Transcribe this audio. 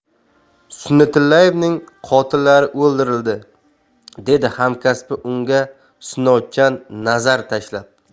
sunnatullaevning qotillari o'ldirildi dedi hamkasbi unga sinovchan nazar tashlab